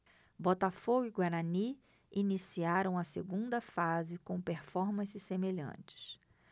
botafogo e guarani iniciaram a segunda fase com performances semelhantes